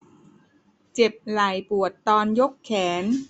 เจ็บไหล่ปวดตอนยกแขน